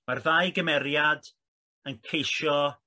mae'r ddau gymeriad yn ceisio